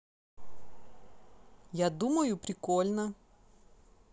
я думаю прикольно